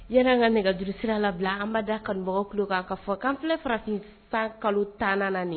Yan' an ka nɛgɛ juruuru sira labila anba da kanubagaw ku kan kaa fɔ an filɛ farafin kalo tan na